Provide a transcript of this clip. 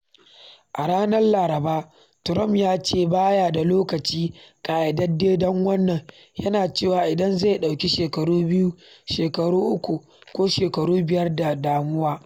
A ranar Laraba, Trump ya ce ba ya da lokaci ƙayyadedde don wannan, yana cewa “Idan zai ɗauki shekaru biyu, shekaru uku ko shekaru biyar - ba damuwa.”